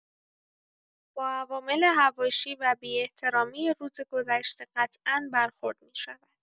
با عوامل حواشی و بی‌احترامی روز گذشته قطعا برخورد می‌شود.